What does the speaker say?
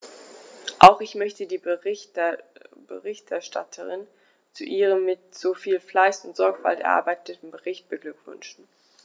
Auch ich möchte die Berichterstatterin zu ihrem mit so viel Fleiß und Sorgfalt erarbeiteten Bericht beglückwünschen.